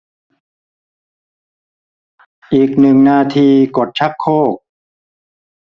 อีกหนึ่งนาทีกดชักโครก